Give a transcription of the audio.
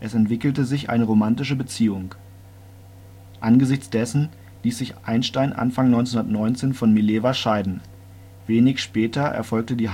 entwickelte sich eine romantische Beziehung. Angesichts dessen ließ sich Einstein Anfang 1919 von Mileva scheiden, wenig später erfolgte die